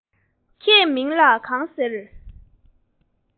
ཁྱེད མིང ལ གང ཟེར